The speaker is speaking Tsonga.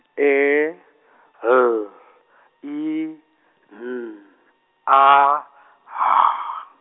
E , L , I, N, A , H.